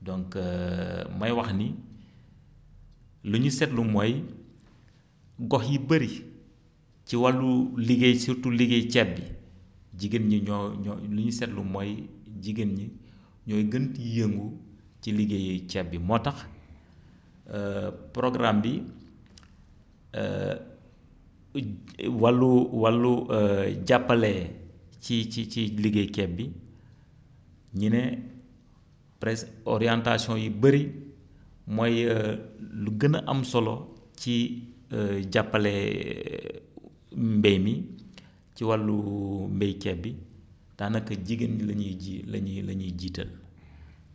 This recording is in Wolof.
donc may wax ni li ñu seetlu mooy gox yu bëri ci wàllu liggéey surtout liggéey ceeb bi jigéen ñi ñoo ñoo li ñu seetlu mooy jigéen ñi ñooy gën di yëngu ci liggéey ceeb bi moo tax programme bi wàllu wàllu jàppale ci ci ci liggéey ceeb bi ñu ne presque orientation yu bëri mooy lu gën a am solo ci jàppale mbay mi ci wàllu mbay ceeb bi daanaka jigéen ñi la ñuy ji la ñuy la ñuy jiital